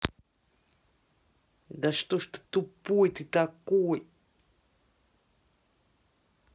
да что ж ты тупой ты такой